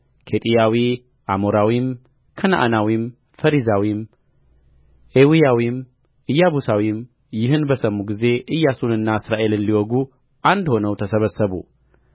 ኬጢያዊ አሞራዊም ከነዓናዊም ፌርዛዊም ኤዊያዊም ኢያቡሳዊም ይህን በሰሙ ጊዜ ኢያሱንና እስራኤልን ሊወጉ አንድ ሆነው ተሰበሰቡ